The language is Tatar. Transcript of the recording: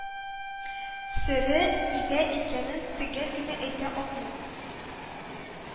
Сере нидә икәнен төгәл генә әйтә алмыйм